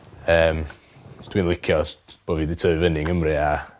yym dwi'n licio'r bo' fi 'di tyfu fyny yng Nghymru a